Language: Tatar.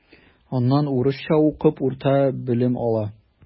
Аннан урысча укып урта белем ала.